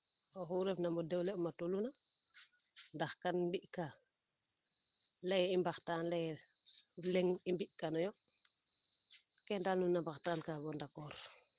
oxuu refna me doole um a tolu na ndax kan mbi kaa leye i mbaxtaan leye leŋ i mbi kanoyo keene daal nuun na mbaxtan ka bo d' accord